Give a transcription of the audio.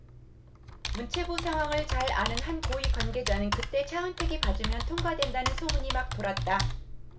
문체부 상황을 잘 아는 한 고위 관계자는 그때 차은택이 봐주면 통과된다는 소문이 막 돌았다